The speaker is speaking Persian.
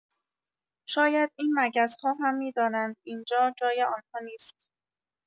شاید این مگس‌ها هم می‌دانند اینجا جای آنها نیست.